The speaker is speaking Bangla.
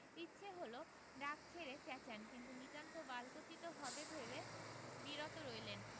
ইচ্ছে হলো ডাক ছেড়ে চেঁচান কিন্তু নিতান্ত বালকোচিত হবে ভেবে বিরত রইলেন